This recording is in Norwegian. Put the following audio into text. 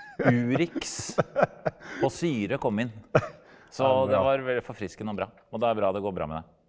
Urix på syre kom inn så det var veldig forfriskende og bra og det er bra det går bra med deg.